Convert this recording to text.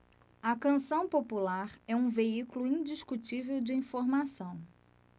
a canção popular é um veículo indiscutível de informação